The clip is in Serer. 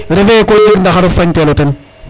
refe ye ko jeg ndaxarof fañ telo ten